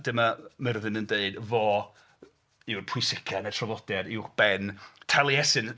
Dyma Myrddin yn deud; fo yw'r pwysicaf yn y traddodiad uwchben Taliesin.